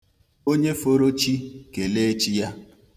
Onye foro chi, kelee Chi ya.